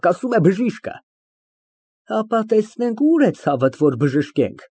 Պակասում է բժիշկը։ Հապա, տեսնենք ուր է ցավդ, որ բժշկենք։